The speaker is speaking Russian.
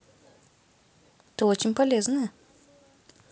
ты очень полезная